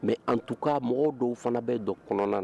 Mɛ an tun ka mɔgɔw dɔw fana bɛ dɔ kɔnɔna na